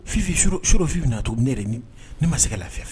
Sourrofin bɛ na to ne yɛrɛ ni ne masakɛ lafi fɛ